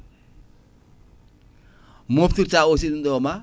moftirta aussi ɗum ɗo ma